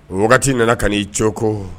Wagati nana ka n'i cogoko